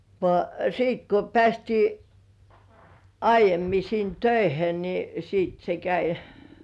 vaan sitten kun päästiin aiemmin sinne töihin niin sitten se kävi